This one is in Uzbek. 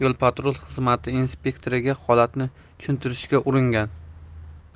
patrul xizmati inspektoriga holatni tushuntirishga uringan